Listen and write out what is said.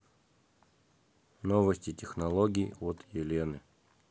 новости технологий от елены